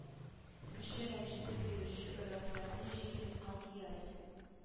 Кеше рәнҗетеп йөрүче өрәкләрне җир йоткан диярсең